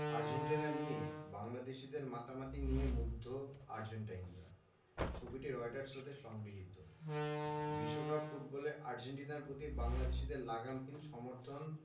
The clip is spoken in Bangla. আর্জেন্টিনা নিয়ে বাংলাদেশিদের মাতামাতি নিয়ে মুগ্ধ আর্জেন্টাইনরা ছবিটি রয়টার্স হতে সংগৃহীত বিশ্বকাপ ফুটবলে আর্জেন্টিনার প্রতি বাংলাদেশিদের লাগামহীন সমর্থন